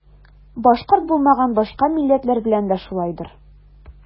Башкорт булмаган башка милләтләр белән дә шулайдыр.